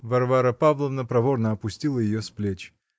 -- Варвара Павловна проворно опустила ее с плеч.